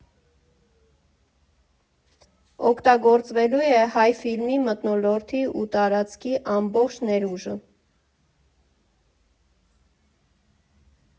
Օգտագործվելու է Հայֆիլմի մթնոլորտի ու տարածքի ամբողջ ներուժը։